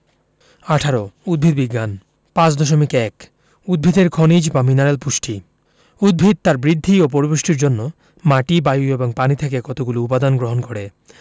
১৮ উদ্ভিদ বিজ্ঞান ৫.১ উদ্ভিদের খনিজ বা মিনারেল পুষ্টি উদ্ভিদ তার বৃদ্ধি ও পরিপুষ্টির জন্য মাটি বায়ু এবং পানি থেকে কতগুলো উপদান গ্রহণ করে